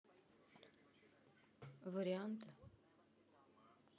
варианты